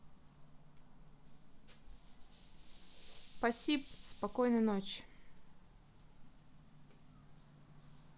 пасиб спокойной ночи